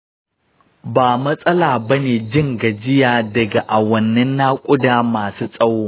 ba matsala bane jin gajiya daga awannin naƙuda masu tsawo